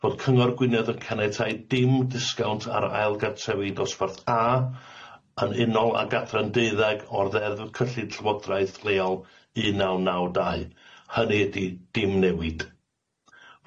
fod Cyngor Gwynedd yn caniatáu dim disgawnt ar ail gartrefi dosbarth A yn unol ag adran deuddeg o'r ddeddf cyllid llywodraeth leol un naw naw dau. Hynny ydi dim newid.